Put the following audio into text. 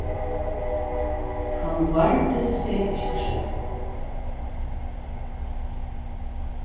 hann vardi seg ikki